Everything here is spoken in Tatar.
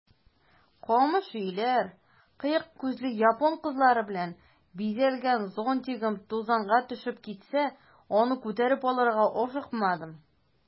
Камыш өйләр, кыек күзле япон кызлары белән бизәлгән зонтигым тузанга төшеп китсә, аны күтәреп алырга ашыкмадым.